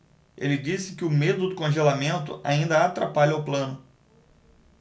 ele disse que o medo do congelamento ainda atrapalha o plano